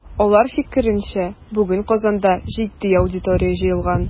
Алар фикеренчә, бүген Казанда җитди аудитория җыелган.